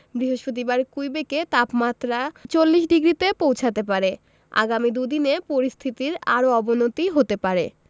বৃহস্পতিবার কুইবেকে তাপমাত্রা ৪০ ডিগ্রিতে পৌঁছাতে পারে আগামী দু'দিনে পরিস্থিতির আরও অবনতি হতে পারে